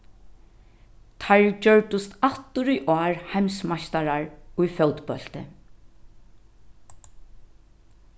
teir gjørdust aftur í ár heimsmeistarar í fótbólti